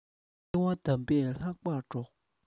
སྐྱེ བོ དམ པས ལྷག པར སྒྲོགས